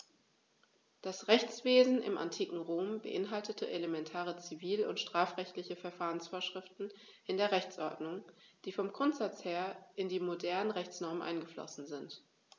Das Rechtswesen im antiken Rom beinhaltete elementare zivil- und strafrechtliche Verfahrensvorschriften in der Rechtsordnung, die vom Grundsatz her in die modernen Rechtsnormen eingeflossen sind.